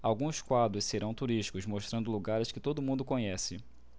alguns quadros serão turísticos mostrando lugares que todo mundo conhece